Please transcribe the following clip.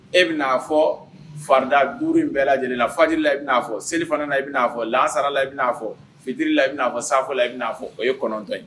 E bɛ n'a fɔ farida 5 in bɛɛ lajɛlen la. Fajiri la e bɛ n'a fɔ, selifana la e bɛ n'a fɔ, lahasara la e bɛ n'a fɔ, fitiri la e bɛ n'a fɔ, saafo e bɛ n'a fɔ. O ye 9 ye.